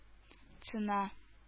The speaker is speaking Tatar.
Цена